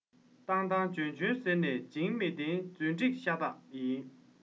བཏང བཏང འཇོན འཇོན ཟེར བ བྱིངས མི བདེན རྫུན སྒྲིག ཤ སྟག ཡིན